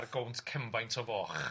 Ar gownt cenfaint o foch.